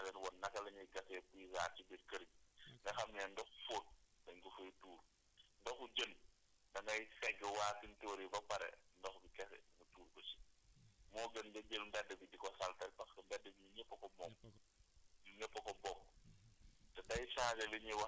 dañuy gas su ñu ñëwee service d' hygène man danaa leen wan naka la ñuy gasee puisard ci biir kër gi nga xam ne ndox fóot dañ ko fay tuur ndoxu jën da ngay segg waasintuur yi ba pare ndox bi kese nga tuur ko si moo gën nga jël mbedd bi di ko saleté parce que mbedd bi ñëpp a ko moom